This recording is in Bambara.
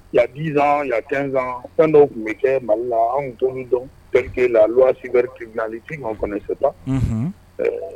Yadi zan ka kɛsan fɛn dɔw tun bɛ kɛ mali la anw to dɔn pke la si wɛrɛrikilisi fana se ɛɛ